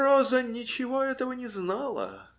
Роза ничего этого не знала